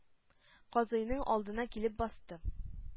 Казыйның алдына килеп басты.